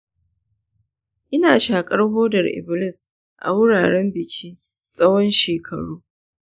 ina shakar hodar iblis a wuraren biki tsawon shekaru.